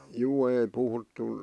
juu ei puhuttu